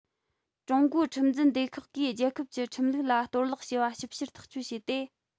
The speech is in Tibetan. ཀྲུང གོའི ཁྲིམས འཛིན སྡེ ཁག གིས རྒྱལ ཁབ ཀྱི ཁྲིམས ལུགས ལ གཏོར བརླག བྱས པ ཞིབ བཤེར ཐག གཅོད བྱས ཏེ